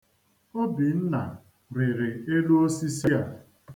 Obinna rịrị elu osisi a.